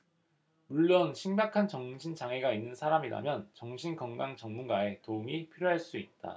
물론 심각한 정신 장애가 있는 사람이라면 정신 건강 전문가의 도움이 필요할 수 있다